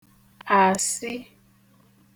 àsị